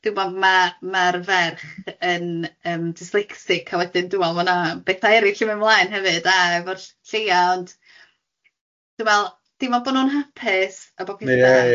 dwi'n bo ma' ma'r ferch yn yym dyslexic a wedyn dwi'n meddwl ma' na bethau eraill yn mynd mlaen hefyd a efo'r ll- lleia ond dwi'n meddwl dim ond bo nhw'n hapus a bob pethau... Ia ia.